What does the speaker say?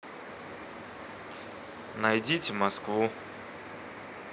найди москву